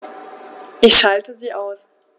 Ich schalte sie aus.